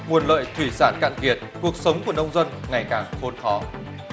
nguồn lợi thủy sản cạn kiệt cuộc sống của nông dân ngày càng khốn khó